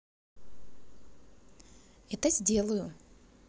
это сделаю